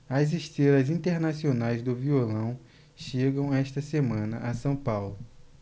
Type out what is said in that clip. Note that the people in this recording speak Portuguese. as estrelas internacionais do violão chegam esta semana a são paulo